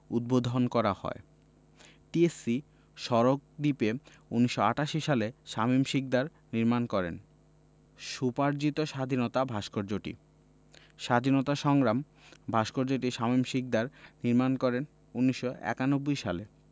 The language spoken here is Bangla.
উদ্বোধন করা হয় টিএসসি সড়ক দ্বীপে ১৯৮৮ সালে শামীম শিকদার নির্মাণ করেন স্বোপার্জিত স্বাধীনতা ভাস্কর্যটি স্বাধীনতা সংগ্রাম ভাস্কর্যটি শামীম শিকদার নির্মাণ করেন ১৯৯১ সালে